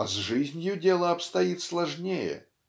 а с жизнью дело обстоит сложнее.